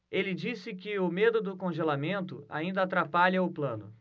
ele disse que o medo do congelamento ainda atrapalha o plano